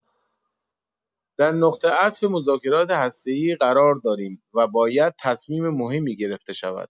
در نقطه عطف مذاکرات هسته‌ای قرار داریم و باید تصمیم مهمی گرفته شود.